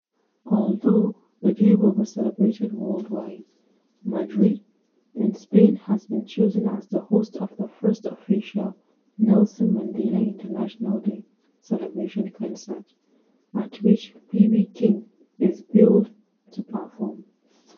Although the day will be celebrated worldwide, Madrid, in Spain has been chosen as the host of the first official Nelson Mandela International Day celebration concert, at which BB King is billed to perform.